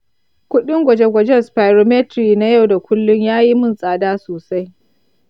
kudin gwaje-gwajen spirometry na yau da kullum ya yi mun tsada sosai.